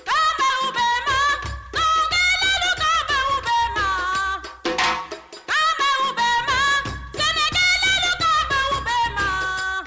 Nka bɛ ma maa diɲɛ ba bɛ ba nk' bɛ tile ba bɛ ba